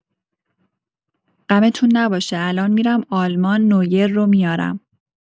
غمتون نباشه الان می‌رم آلمان نویر رو میارم!